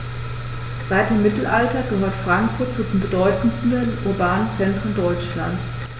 Seit dem Mittelalter gehört Frankfurt zu den bedeutenden urbanen Zentren Deutschlands.